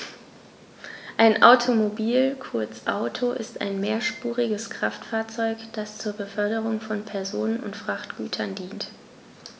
Ein Automobil, kurz Auto, ist ein mehrspuriges Kraftfahrzeug, das zur Beförderung von Personen und Frachtgütern dient.